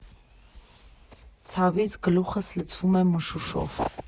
Ցավից գլուխս լցվում է մշուշով։